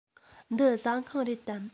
འདི ཟ ཁང རེད དམ